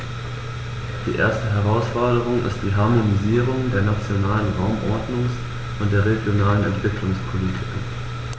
Die erste Herausforderung ist die Harmonisierung der nationalen Raumordnungs- und der regionalen Entwicklungspolitiken.